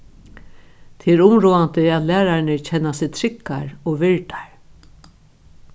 tað er umráðandi at lærararnir kenna seg tryggar og virdar